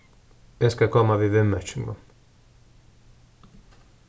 eg skal koma við viðmerkingum